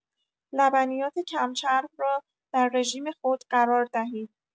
لبنیات کم‌چرب را در رژیم خود قرار دهید.